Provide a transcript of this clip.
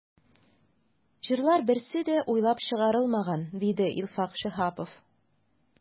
“җырлар берсе дә уйлап чыгарылмаган”, диде илфак шиһапов.